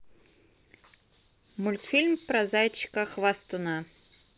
мультфильм про зайчика хвастуна